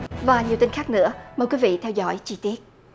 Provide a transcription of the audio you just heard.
và nhiều tin khác nữa mời quý vị theo dõi chi tiết